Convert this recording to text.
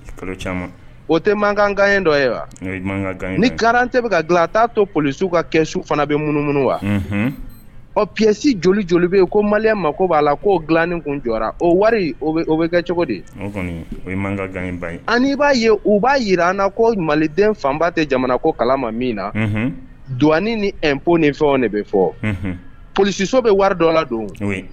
O tɛ man dɔ ye wa ni garan tɛ t' to polisiw ka kɛ su fana bɛ mununu wa ɔ psi joli joli bɛ yen ko mali ma ko b'a la ko dilalanin kun jɔyara o wari bɛ kɛ cogo de ye b'a ye u b'a jira an na ko mali den fanba tɛ jamana ko kala ma min na do nip ni fɛn de bɛ fɔ psiso bɛ wari dɔ la don